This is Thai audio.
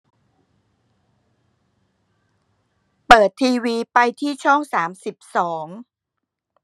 เปิดทีวีไปที่ช่องสามสิบสอง